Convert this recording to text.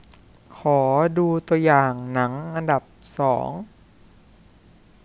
ขอดูตัวอย่างหนังอันดับสอง